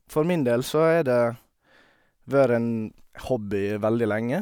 For min del så er det vør en hobby veldig lenge.